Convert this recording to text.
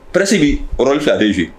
Psi o fila bɛsu